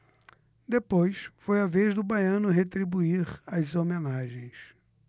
depois foi a vez do baiano retribuir as homenagens